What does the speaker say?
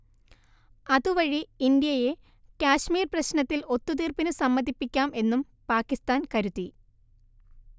അതുവഴി ഇന്ത്യയെ കാശ്മീർ പ്രശ്നത്തിൽ ഒത്തുതീർപ്പിനു സമ്മതിപ്പിക്കാം എന്നും പാകിസ്താൻ കരുതി